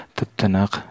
tip tiniq